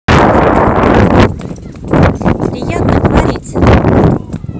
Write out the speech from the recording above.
приятно говорить